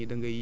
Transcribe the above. muy ban